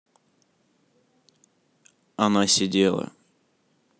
она сидела